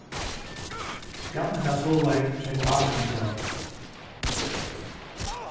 bjarni bað sólveig keypa áka eina gávu